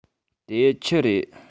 དེ ཆི རེད